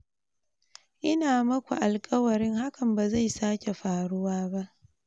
Ina maku alƙawarin hakan ba zai sake faruwa ba.